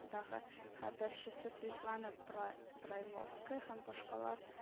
Дагы хәбәрчесе светлана брай брайловская һәм башкалар